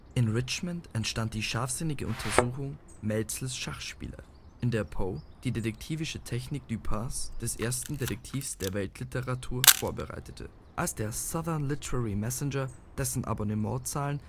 In Richmond entstand die scharfsinnige Untersuchung Maelzels Schachspieler, in der Poe die detektivische Technik Dupins, des ersten Detektivs der Weltliteratur, vorbereitete. Als der Southern Literary Messenger, dessen Abonnentenzahl